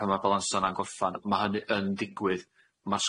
pan ma'r balansa yna'n gorffan ma' hynny yn ddigwydd ma'r